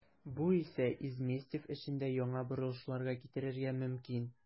Бу исә Изместьев эшендә яңа борылышларга китерергә мөмкин.